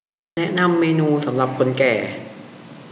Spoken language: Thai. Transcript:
แนะนำเมนูสำหรับคนแก่